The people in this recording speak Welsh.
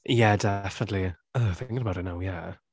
Ie, definitely. Ugh, thinking about it now, yeah.